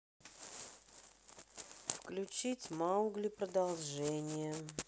включить маугли продолжение